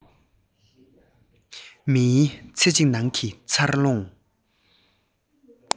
མིའི ཚེ གཅིག ནང གྱི འཚར ལོངས